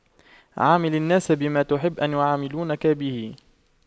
عامل الناس بما تحب أن يعاملوك به